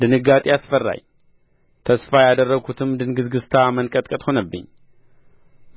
ድንጋጤ አስፈራኝ ተስፋ ያደረግሁትም ድንግዝግዝታ መንቀጥቀጥ ሆነብኝ